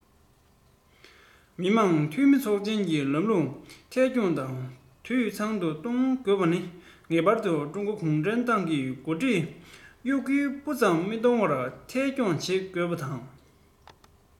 མི དམངས འཐུས མི ཚོགས ཆེན གྱི ལམ ལུགས མཐའ འཁྱོངས དང འཐུས ཚང དུ གཏོང དགོས ན ངེས པར དུ ཀྲུང གོ གུང ཁྲན ཏང གི འགོ ཁྲིད གཡོ འགུལ སྤུ ཙམ མི གཏོང བར མཐའ འཁྱོངས བྱེད དགོས པ དང